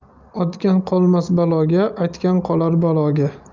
otgan qolmas baloga aytgan qolar baloga